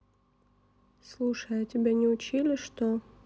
слушай а тебя не учили что